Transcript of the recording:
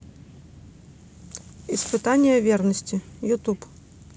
испытание верности ютуб